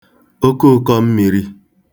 okeụ̄kọ̄mmīrī